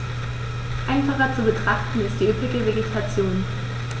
Einfacher zu betrachten ist die üppige Vegetation.